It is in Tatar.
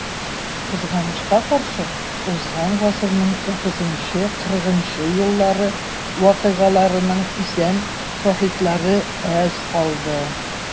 Кызганычка каршы, узган гасырның 30-40 еллары вакыйгаларының исән шаһитлары аз калды.